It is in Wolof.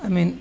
amiin